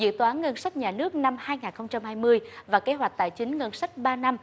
dự toán ngân sách nhà nước năm hai ngàn không trăm hai mươi và kế hoạch tài chính ngân sách ba năm